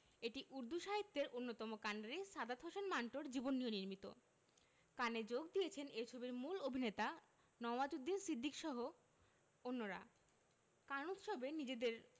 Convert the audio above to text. এটি উর্দু সাহিত্যের অন্যতম কান্ডারি সাদাত হাসান মান্টোর জীবন নিয়ে নির্মিত কানে যোগ দিয়েছেন এ ছবির মূল অভিনেতা নওয়াজুদ্দিন সিদ্দিকীসহ অন্যরা কান উৎসবে নিজেদের